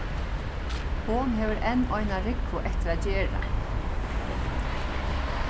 hon hevur enn eina rúgvu eftir at gera